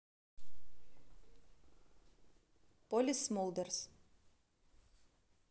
полис смолдерс